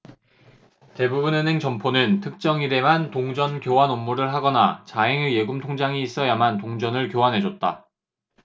대부분 은행 점포는 특정일에만 동전 교환 업무를 하거나 자행의 예금통장이 있어야만 동전을 교환해줬다